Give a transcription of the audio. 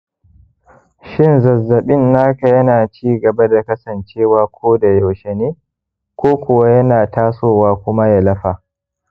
shin zazzabin naka yana ci gaba da kasancewa kodaushe ne ko kuwa yana tasowa kuma ya lafa